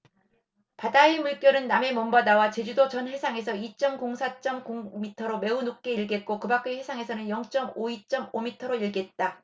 바다의 물결은 남해 먼바다와 제주도 전 해상에서 이 쩜 공 사 쩜 공 미터로 매우 높게 일겠고 그 밖의 해상에서는 영 쩜 오 이 쩜 오 미터로 일겠다